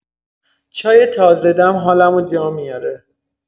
چای تازه‌دم حالمو جا میاره.